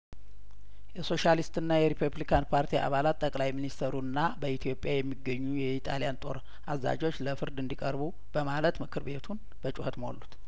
የሶሻሊስትና የሪፐብሊካን ፓርቲ አባላት ጠቅላይ ሚኒስተሩና በኢትዮጵያ የሚገኙት የኢጣሊያን ጦር አዛዦች ለፍርድ እንዲቀርቡ በማለት ምክር ቤቱን በጩኸት ሞሉት